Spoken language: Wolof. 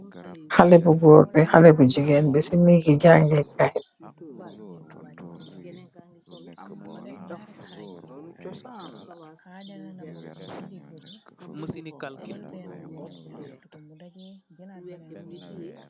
Xalex bu goor bi xalex bu jigeen bi si neeg si jangeh kai bi.